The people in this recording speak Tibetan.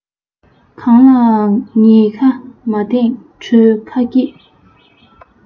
གང ལའང ཉེས ཁ མ འདིངས གྲོས ཁ སྐྱེད